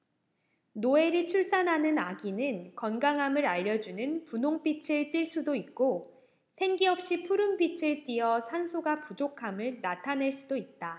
노엘이 출산하는 아기는 건강함을 알려 주는 분홍빛을 띨 수도 있고 생기 없이 푸른빛을 띠어 산소가 부족함을 나타낼 수도 있다